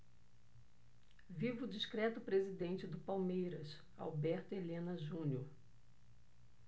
viva o discreto presidente do palmeiras alberto helena junior